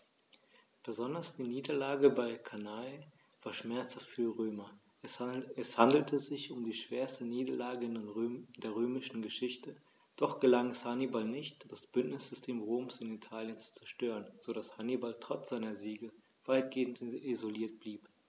Besonders die Niederlage bei Cannae war schmerzhaft für die Römer: Es handelte sich um die schwerste Niederlage in der römischen Geschichte, doch gelang es Hannibal nicht, das Bündnissystem Roms in Italien zu zerstören, sodass Hannibal trotz seiner Siege weitgehend isoliert blieb.